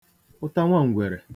ụtanwaǹgwèrè